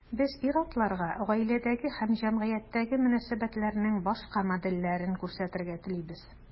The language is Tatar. Без ир-атларга гаиләдәге һәм җәмгыятьтәге мөнәсәбәтләрнең башка модельләрен күрсәтергә телибез.